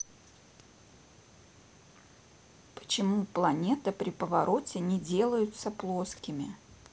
почему планета при повороте не делаются плоскими